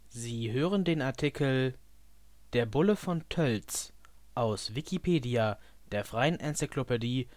Sie hören den Artikel Der Bulle von Tölz, aus Wikipedia, der freien Enzyklopädie